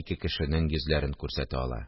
Ике кешенең йөзләрен күрсәтә ала